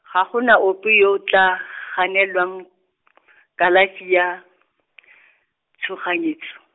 ga go na ope yo o tla, g- ganelwang , kalafi ya , tshoganyetso.